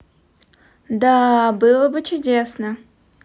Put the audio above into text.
да было бы чудесно